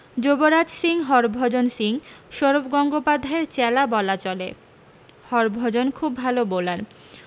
যুবরাজ সিং হরভজন সিং সৌরভ গঙ্গোপাধ্যায়ের চেলা বলা চলে হরভজন খুব ভালো বোলার